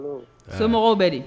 Somɔgɔw bɛ di